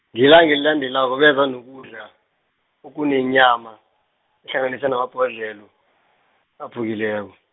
ngelanga elilandelako beza nokudla, okunenyama, ehlanganiswe namabhodlelo, aphukileko.